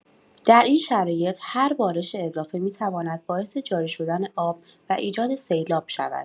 در این شرایط، هر بارش اضافه می‌تواند باعث جاری‌شدن آب و ایجاد سیلاب شود.